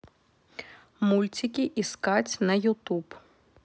мультики искать на ютуб